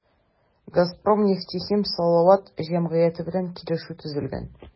“газпром нефтехим салават” җәмгыяте белән килешү төзелгән.